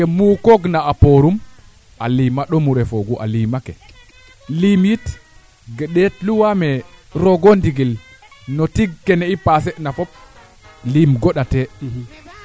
jambe maya Djiby ndax ke taxoonu ten refu yee fasaaɓ roogo ndigil kaa ndenga o qol to ga aano jamano fee wiin we njega te xa siira xa de ndosta a tosa maaka keene